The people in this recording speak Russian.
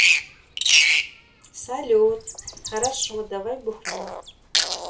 салют хорошо давай бухнем